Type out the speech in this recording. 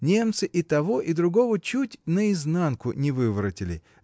Немцы и того и другого чуть наизнанку не выворотили.